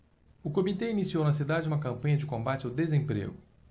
o comitê iniciou na cidade uma campanha de combate ao desemprego